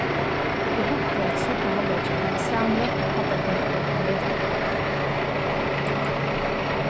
eg hugdi at seinna hálvleiki og havi sæð nøkur av hæddarpunktunum á netinum